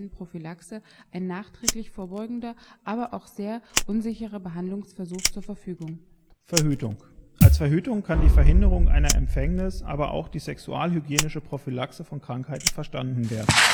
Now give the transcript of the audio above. Prophylaxe ein nachträglich vorbeugender, aber auch sehr unsicherer Behandlungsversuch zur Verfügung. Datei:Preservatif1.jpg Drei „ Gummis “Als „ Verhütung “kann die Verhinderung einer Empfängnis, andererseits auch die sexualhygienische Prophylaxe von Krankheiten verstanden werden